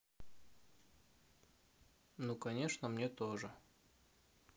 ну конечно мне тоже